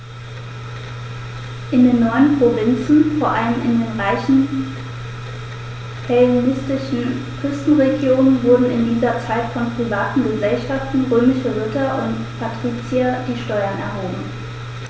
In den neuen Provinzen, vor allem in den reichen hellenistischen Küstenregionen, wurden in dieser Zeit von privaten „Gesellschaften“ römischer Ritter und Patrizier die Steuern erhoben.